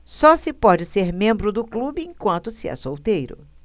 só se pode ser membro do clube enquanto se é solteiro